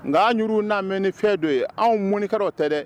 Nga an yuru naabɛ ni fɛn dɔ ye . Anw mɔnikɛlaw tɛ dɛ.